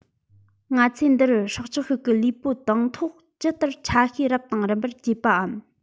ང ཚོས འདི རུ སྲོག ཆགས ཤིག གི ལུས པོ དང ཐོག ཇི ལྟར ཆ ཤས རབ དང རིམ པར གྱེས པའམ